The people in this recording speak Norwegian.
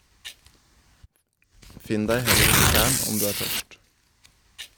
Finn deg heller et tjern om du er tørst.